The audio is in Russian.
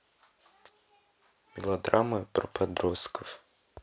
мелодрамы про подростков